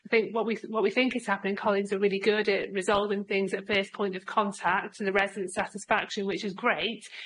I think what we- what we think is happening colleagues are really good at resolving things at first point of contact and the resident satisfaction, which is great,